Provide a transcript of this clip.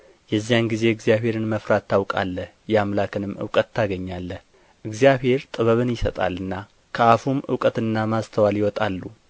የዚያን ጊዜ እግዚአብሔርን መፍራት ታውቃለህ የአምላክንም እውቀት ታገኛለህ እግዚአብሔር ጥበብን ይሰጣልና ከአፉም እውቀትና ማስተዋል ይወጣሉ